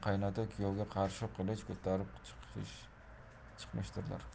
kuyovga qarshi qilich ko'tarib chiqmishdirlar